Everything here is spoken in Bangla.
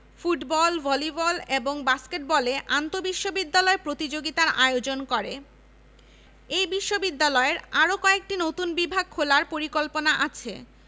নর্থ ইস্ট মেডিকেল কলেজ এবং সিলেট উইম্যানস মেডিকেল কলেজ ফলিত বিজ্ঞান অনুষদের অন্তর্ভুক্ত আছে একটি ইঞ্জিনিয়ারিং কলেজ